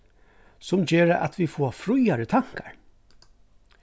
sum gera at vit fáa fríari tankar